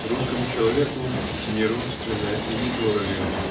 Русскому человеку не родственно и не дорого